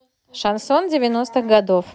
шансон девяностых годов